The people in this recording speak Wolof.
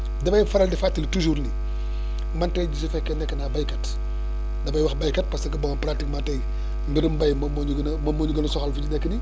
damay faral di fàttali toujours ni man tey jii su fekkee nekk naa béykat damay wax béykat parce que bon pratiquement tey mbirum mbéy moom moo ñu gën a moom moo ñu gën a soxal fi ñu nekk nii